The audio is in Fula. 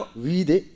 wiide